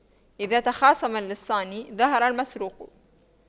إذا تخاصم اللصان ظهر المسروق